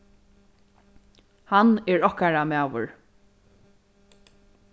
hann er okkara maður